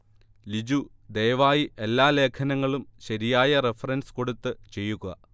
ലിജു ദയവായി എല്ലാ ലേഖനങ്ങളും ശരിയായ റെഫറൻസ് കൊടുത്ത് ചെയ്യുക